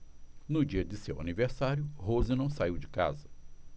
no dia de seu aniversário rose não saiu de casa